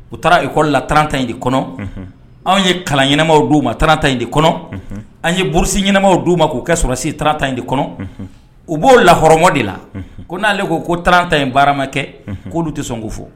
U taara ikɔ la tanranta in de kɔnɔ anw ye kalan ɲɛnamaw d u ma taaranta in de kɔnɔ an yeurusi ɲɛnaɛnɛmaw' u ma k'u kɛ sɔrɔ si tan tan in de kɔnɔ u b'o laɔrɔma de la ko n'ale ko ko taaran ta in baarama kɛ k'olu tɛ sɔn ko fɔ